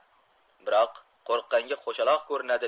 biroq qo'rqqanga qo'shaloq ko'rinadi